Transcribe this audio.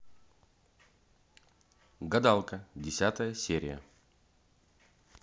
гадалка десятая серия